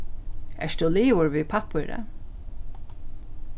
ert tú liðugur við pappírið